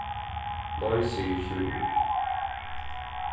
nei sigur sjúrður